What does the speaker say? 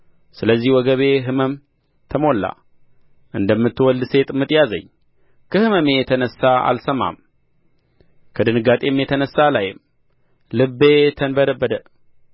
ስለዚህ ወገቤ ሕመም ተሞላ እንደምትወልድ ሴት ምጥ ያዘኝ ከሕመሜ የተነሣ አልሰማም ከድንጋጤም የተነሣ አላይም ልቤ ተንበደበደ